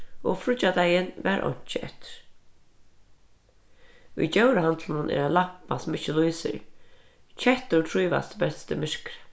og fríggjadagin var einki eftir í djórahandlinum er ein lampa sum ikki lýsir kettur trívast best í myrkri